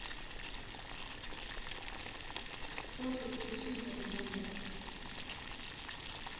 топит и символ дембел